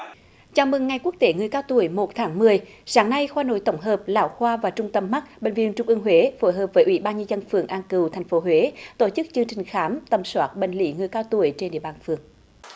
chào mừng ngày quốc tế người cao tuổi một tháng mười sáng nay khoa nội tổng hợp lão khoa và trung tâm mắt bệnh viện trung ương huế phối hợp với ủy ban nhân dân phường an cừu thành phố huế tổ chức chương trình khám tầm soát bệnh lỵ người cao tuổi trên địa bàn phường